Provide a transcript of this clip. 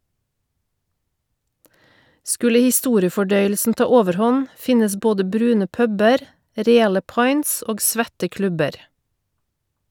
Skulle historiefordøyelsen ta overhånd , finnes både brune puber, reale pints og svette klubber.